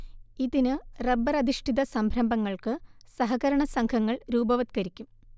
ഇതിന് റബ്ബറധിഷ്ഠിത സംരംഭങ്ങൾക്ക് സഹകരണ സംഘങ്ങൾ രൂപവത്കരിക്കും